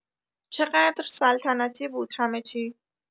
چقدر سلطنتی بود همه چی